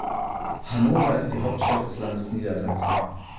Hannover ist die Hauptstadt des Landes Niedersachsen.